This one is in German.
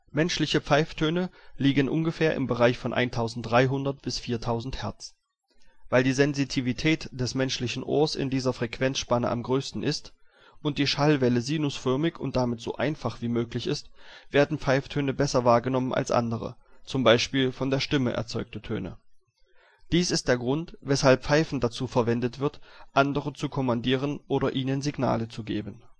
Menschliche Pfeiftöne liegen ungefähr im Bereich von 1300 bis 4000 Hz. Weil die Sensitivität des menschlichen Ohrs in dieser Frequenzspanne am größten ist und die Schallwelle sinusförmig und damit so einfach wie möglich ist, werden Pfeiftöne besser wahrgenommen als andere, zum Beispiel von der Stimme erzeugte Töne. Dies ist der Grund, weshalb Pfeifen dazu verwendet wird, andere zu kommandieren oder ihnen Signale zu geben